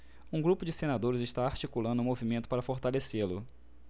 um grupo de senadores está articulando um movimento para fortalecê-lo